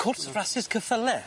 Cwrs rasus cyffyle?